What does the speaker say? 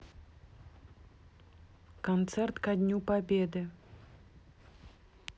концерт ко дню победы